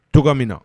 To min na